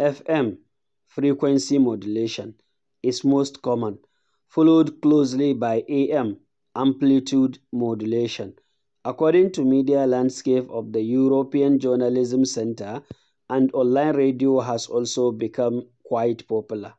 FM (frequency modulation) is most common, followed closely by AM (amplitude modulation), according to Media Landscape of the European Journalism Centre — and online radio has also become quite popular.